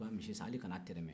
a b'a misi san hali kana tɛrɛmɛ